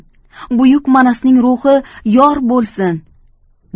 buyuk manasning ruhi yor bo'lsin